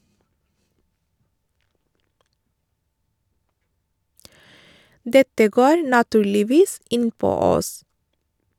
- Dette går naturligvis innpå oss.